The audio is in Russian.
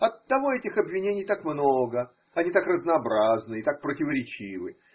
Оттого этих обвинений так много, они так разнообразны и так противоречивы.